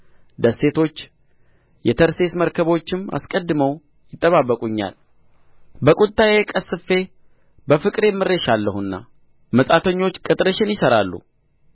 ደሴቶች የተርሴስ መርከቦችም አስቀድመው ይጠባበቁኛል በቍጣዬ ቀሥፌ በፍቅሬ ምሬሻለሁና መጻተኞች ቅጥርሽን ይሠራሉ